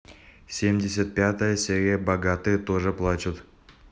семьдесят пятая серия богатые тоже плачут